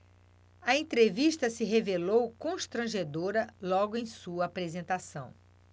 a entrevista se revelou constrangedora logo em sua apresentação